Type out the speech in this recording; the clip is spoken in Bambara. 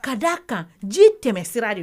Ka d' a kan ji tɛmɛ sira de ye